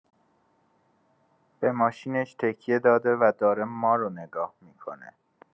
به ماشینش تکیه داده و داره مارو نگاه می‌کنه.